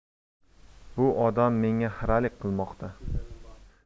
bu odam menga xiralik qilmoqda